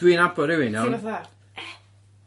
Dwi'n nabod rywun iawn. Chi fatha e?